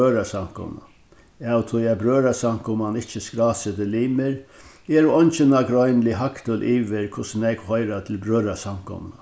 brøðrasamkomuna av tí at brøðrasamkoman ikki skrásetir limir eru eingi nágreinilig hagtøl yvir hvussu nógv hoyra til brøðrasamkomuna